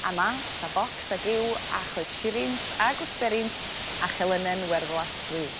a mall a bocs ag yw a choed shiryns a gwsberins a chelynen werddlas wiw.